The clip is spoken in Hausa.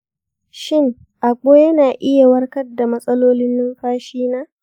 shin agbo yana iya warkar da matsalolin numfashina?